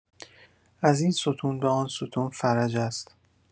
از این ستون به آن ستون فرج است